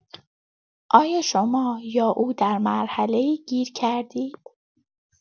آیا شما یا او در مرحله‌ای گیر کردید؟